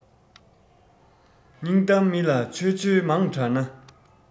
སྙིང གཏམ མི ལ འཆོལ འཆོལ མང དྲགས ན